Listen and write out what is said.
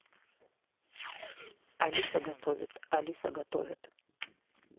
алиса готовит алиса готовит